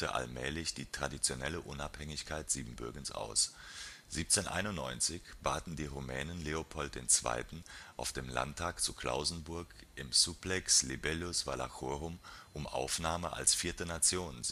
allmählich die traditionelle Unabhängigkeit Siebenbürgens aus. 1791 baten die Rumänen Leopold II. auf dem Landtag zu Klausenburg im Supplex Libellius Valachorum um Aufnahme als „ vierte Nation